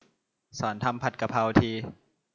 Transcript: สอนทำผัดกะเพราที